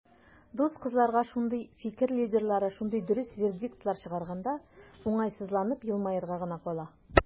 Дус кызларга шундый "фикер лидерлары" шундый дөрес вердиктлар чыгарганда, уңайсызланып елмаерга гына кала.